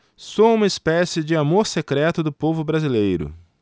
sou uma espécie de amor secreto do povo brasileiro